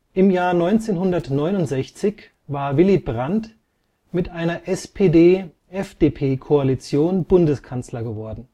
1969 war Willy Brandt mit einer SPD-FDP-Koalition Bundeskanzler geworden